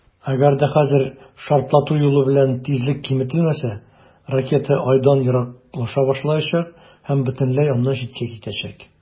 Әгәр дә хәзер шартлату юлы белән тизлек киметелмәсә, ракета Айдан ераклаша башлаячак һәм бөтенләй аннан читкә китәчәк.